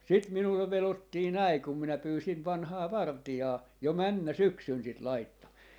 sitten minulle vedottiin näin kun minä pyysin vanhaa vartijaa jo menneenä syksynä sitä laittamaan